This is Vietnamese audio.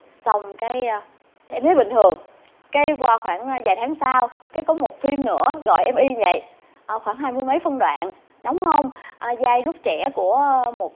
xong cái em thấy bình thường cái qua khoảng vài vài tháng sau cái có một phim nữa gọi em y như vậy khoảng hai mươi mấy phân đoạn đóng hông vai vai lúc trẻ của một